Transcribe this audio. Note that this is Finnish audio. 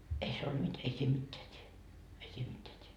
ei se ollut - ei siinä mitään tee ei siinä mitään tee